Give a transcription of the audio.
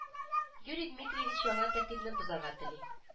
Юрий дмитриевич яңа тәртипне бозарга тели